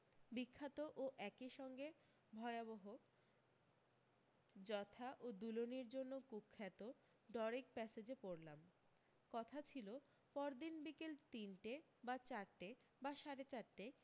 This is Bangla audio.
বিখ্যাত ও একি সঙ্গে ভয়াবহ ঝথা ও দুলুনির জন্য কুখ্যাত ডরেক প্যাসেজে পড়লাম কথা ছিল পরদিন বিকেল তিনটে বা চারটে বা সাড়ে চারটেয়